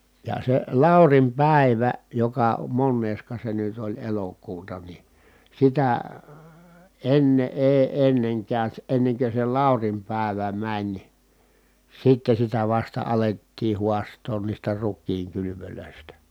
ja se Laurin päivä joka monesko se nyt oli elokuuta niin sitä ennen ei ennen käy ennen kuin se Laurin päivä meni sitten sitä vasta alettiin haastaa niistä rukiin kylvöistä